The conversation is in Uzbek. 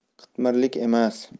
qitmirlik emas